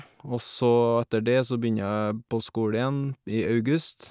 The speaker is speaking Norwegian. Og så etter det så begynner jeg på skole igjen, i august.